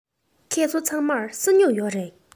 ཁྱེད ཚོ ཚང མར ས སྨྱུག ཡོད རེད